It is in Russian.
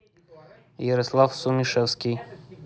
ярослав сумишевский